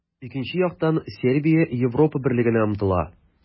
Икенче яктан, Сербия Европа Берлегенә омтыла.